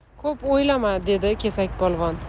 ko'p o'ylama dedi kesakpolvon